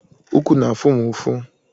Ukwu na-afụ m ụfụ.